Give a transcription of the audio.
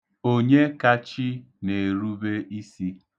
Onyekachi na-erube isi.